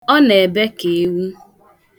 Ọ na-ebe ka ewu.